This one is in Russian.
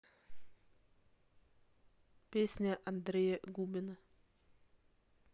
песня андрея губина